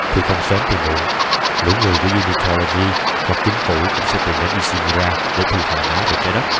thì không sớm thì muộn lũ người của unitology hoặc chính phủ cũng sẽ tìm đến ishimura để thu hồi nó về trái đất